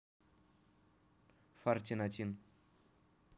far тинатин